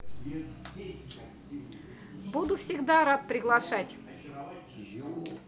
буду всегда рад приглашать